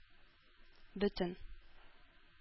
Бөтен